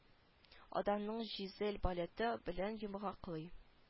Аданның жизель балеты белән йомгаклый